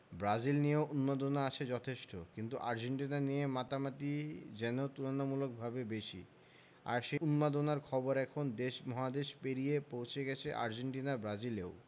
Brazil নিয়েও উন্মাদনা আছে যথেষ্ট কিন্তু আর্জেন্টিনা নিয়ে মাতামাতিই যেন তুলনামূলকভাবে বেশি আর সেই উন্মাদনার খবর এখন দেশ মহাদেশ পেরিয়ে পৌঁছে গেছে আর্জেন্টিনা ব্রাজিলেও